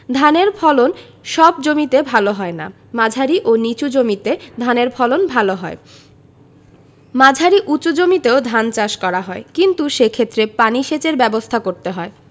ধানের ফলন সব জমিতে ভালো হয় না মাঝারি নিচু ও নিচু জমিতে ধানের ফলন ভালো হয় মাঝারি উচু জমিতেও ধান চাষ করা হয় কিন্তু সেক্ষেত্রে পানি সেচের ব্যাবস্থা করতে হয়